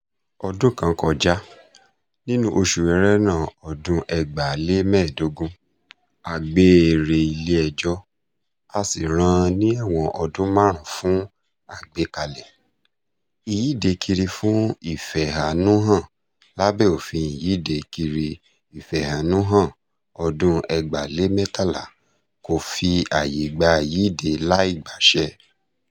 Ọdún kan kọjá, nínú oṣù Èrèlé ọdún 2015, a gbé e re ilé ẹjọ́ a sì rán an ní ẹ̀wọ̀n ọdún márùn-ún fún "àgbékalẹ̀ " ìyíde kiri ìfẹ̀hànnúhàn lábẹ́ òfin ìyíde kiri ìfẹ̀hànnúhàn ọdún 2013 tí kò fi àyè gba ìyíde láìgbàṣẹ.